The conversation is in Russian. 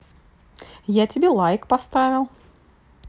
я тебе лайк поставил